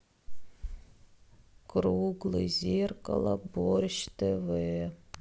круглый зеркало борщ тв